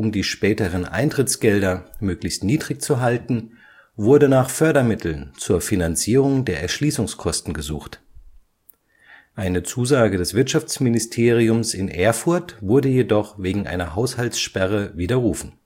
die späteren Eintrittsgelder möglichst niedrig zu halten, wurde nach Fördermitteln zur Finanzierung der Erschließungskosten gesucht. Eine Zusage des Wirtschaftsministeriums in Erfurt wurde jedoch wegen einer Haushaltssperre widerrufen